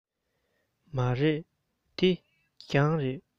མ རེད འདི གྱང རེད